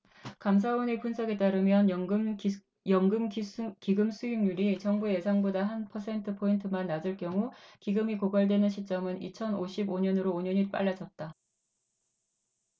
감사원의 분석에 따르면 연금기금수익률이 정부의 예상보다 한 퍼센트포인트만 낮을 경우 기금이 고갈되는 시점은 이천 오십 오 년으로 오 년이 빨라졌다